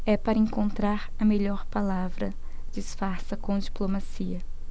é para encontrar a melhor palavra disfarça com diplomacia